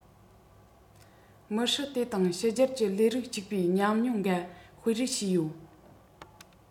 མི སྲིད དེ དང ཕྱི རྒྱལ གྱི ལས རིགས གཅིག པའི ཉམས མྱོང འགའ སྤེལ རེས བྱས ཡོད